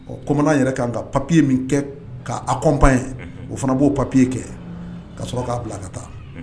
Ɔ koman yɛrɛ ka kan ka papiye min kɛ k' a kɔnba ye o fana b'o papiye kɛ ka sɔrɔ k'a bila a ka taa